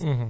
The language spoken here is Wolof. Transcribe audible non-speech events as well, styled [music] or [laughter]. [hesitation] [hesitation]